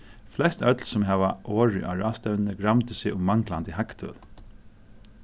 flest øll sum hava orðið á ráðstevnuni gramdu seg um manglandi hagtøl